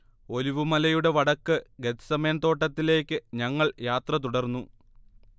olive മലയുടെ വടക്ക് Gethsemane തോട്ടത്തിലേക്ക് ഞങ്ങൾ യാത്ര തുടർന്നു